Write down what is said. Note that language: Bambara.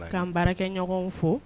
K'an baara kɛ ɲɔgɔn fo